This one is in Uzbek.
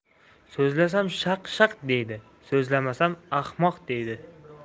so'zlasam shaq shaq deydi so'zlamasam ahmoq deydi